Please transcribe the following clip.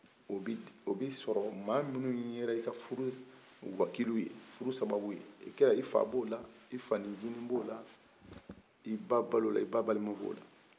o bi sɔrɔ maa minnu kɛra i ka furu wakilu ye furu sababu ye i fa b'o la i fanin ɲini b'o la i ba b'o la i ba balima b'o la